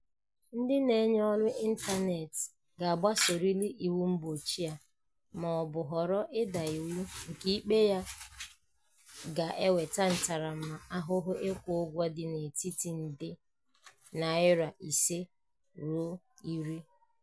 Ndị na-enye ọrụ ịntaneetị ga-agbasorịrị iwu mgbochi a ma ọ bụ họrọ ịda iwu nke ikpe ya ga-eweta ntaramahụhụ ịkwụ ụgwọ dị n'etiti nde naira 5 ruo 10.